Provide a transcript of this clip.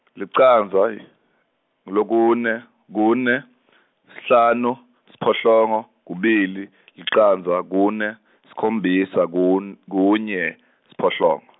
licandza yi, kulokune, kune, sihlanu, siphohlongo, kubili, licandza, kune, sikhombisa, kun-, kunye, siphohlongo.